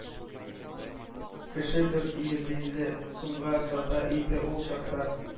Кеше дүрт йөз илле сумга сата иде ул чакта.